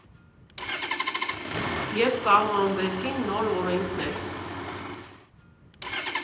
Եվ սահմանվեցին նոր օրենքներ։